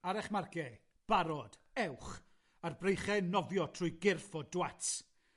Ar 'ych marciau, barod, ewch, a'r breichiau'n nofio trwy gyrff o dwats,